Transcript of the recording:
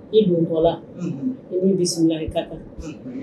I dun kɔ i bɛ la